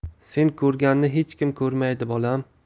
sen ko'rganni hech kim ko'rmaydi bolam